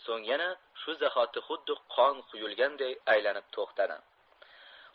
so'ng yana shu zahoti xuddi qon quyulganday aylanib to'xtadi